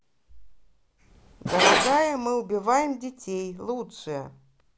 дорогая мы убиваем детей лучшее